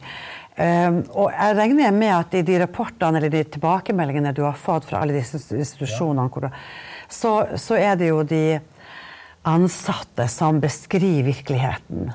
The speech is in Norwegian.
og jeg regner jo med at i de rapportene eller de tilbakemeldingene du har fått fra alle disse institusjonene hvor du, så så er det jo de ansatte som beskriver virkeligheten.